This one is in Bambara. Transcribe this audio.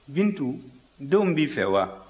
bintu denw b'i fɛ wa